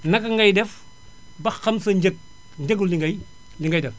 naka ngay def ba xam sa njëg njëgu li ngay li ngay def